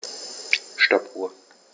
Stoppuhr.